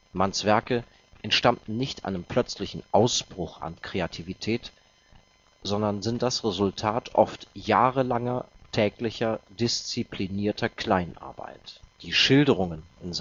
Manns Werke entstammen nicht einem plötzlichen Ausbruch an Kreativität, sondern sind das Resultat oft jahrelanger, täglicher, disziplinierter Kleinarbeit. Die Schilderungen in